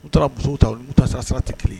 U taara ta u taara sara sara tɛ kelen ye